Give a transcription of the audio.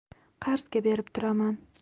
qarzga berib turaman